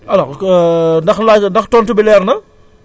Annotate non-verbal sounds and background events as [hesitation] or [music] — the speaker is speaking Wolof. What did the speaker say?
alors [hesitation] ndax laaj ndax tontu bi leer na